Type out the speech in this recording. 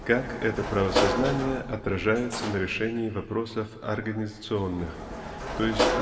как это правосознание отражается на решении вопросов организационных т. е.